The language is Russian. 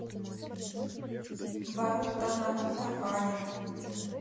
боруто наруто аниме